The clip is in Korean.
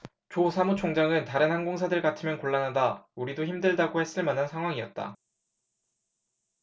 조 사무총장은 다른 항공사들 같으면 곤란하다 우리도 힘들다고 했을 만한 상황이었다